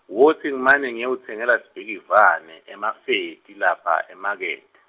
wotsi ngimane ngiyotsengela Sibhikivane, emafeti, lapha emakethe.